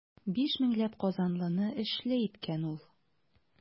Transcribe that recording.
Биш меңләп казанлыны эшле иткән ул.